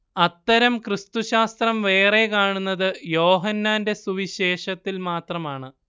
അത്തരം ക്രിസ്തുശാസ്ത്രം വേറെ കാണുന്നത് യോഹന്നാന്റെ സുവിശേഷത്തിൽ മാത്രമാണ്